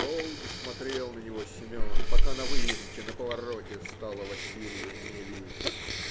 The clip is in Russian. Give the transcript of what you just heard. Долго смотрел на него Семен, пока на выемке на повороте стало Василия не видно.